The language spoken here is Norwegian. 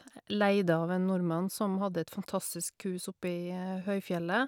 Leide av en nordmann som hadde et fantastisk hus oppi høyfjellet.